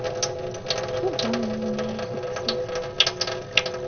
к любому можешь записать